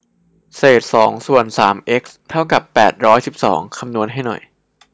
เศษสองส่วนสามเอ็กซ์เท่ากับแปดร้อยสิบสองคำนวณให้หน่อย